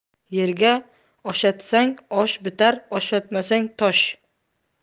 yerga oshatsang osh bitar oshatmasang tosh